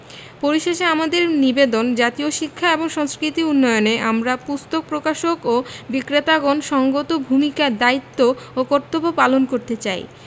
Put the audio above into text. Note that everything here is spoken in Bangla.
পরিশেষে আমাদের নিবেদন জাতীয় শিক্ষা ও সংস্কৃতি উন্নয়নে আমরা পুস্তক প্রকাশক ও বিক্রেতাগণ সঙ্গত ভূমিকা দায়িত্ব ও কর্তব্য পালন করতে চাই